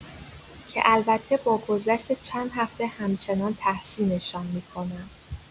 که البته با گذشت چند هفته همچنان تحسین‌شان می‌کنم.